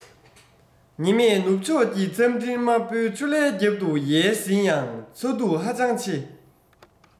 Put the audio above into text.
ཉི མས ནུབ ཕྱོགས ཀྱི མཚམས སྤྲིན དམར པོའི ཆུ ལྷའི རྒྱབ ཏུ ཡལ ཟིན ཡང ཚ གདུག ཧ ཅང ཆེ